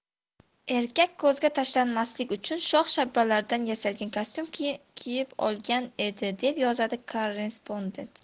erkak ko'zga tashlanmaslik uchun shox shabbalardan yasalgan kostyum kiyib olgan edi deb yozadi korrespondent